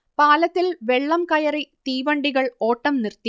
പാലത്തിൽ വെള്ളം കയറി തീവണ്ടികൾ ഓട്ടം നിർത്തി